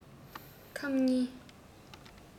ཁམ གཉིས